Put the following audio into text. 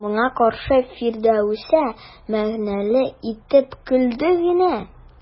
Моңа каршы Фирдәүсә мәгънәле итеп көлде генә.